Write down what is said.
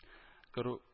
Көрү